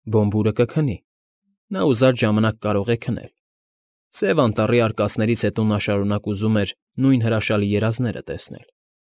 Բոմբուրը կքնի, նա ուզած ժամանակ կարող է քնել, Սև Անտառի արկածներից հետո նա շարունակ ուզում էր նույն հրաշալի երազները տեսնել։